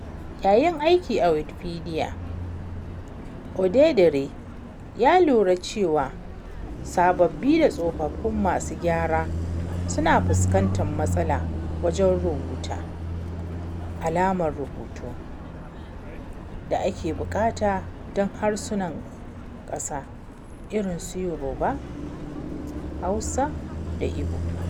Yayin aiki a Wikipedia, Odedere ya lura cewa sababbi da tsofaffin masu gyara suna fuskantar matsala wajen rubuta alamar rubutu da ake buƙata don harsunan ƙasa irin su Yoruba, Hausa, da Igbo.